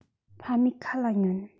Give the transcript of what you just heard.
ཕ མའི ཁ ལ ཉོན